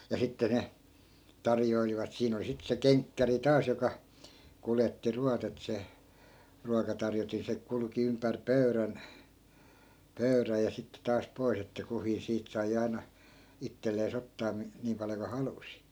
ja sitten ne tarjoilivat siinä oli sitten se kenkkäri taas joka kuljetti ruoat että se ruokatarjotin se kulki ympäri pöydän pöydän ja sitten taas pois että kukin siitä sai aina itselleen ottaa - niin paljon kuin halusi